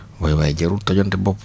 waay waay jarul tojante bopp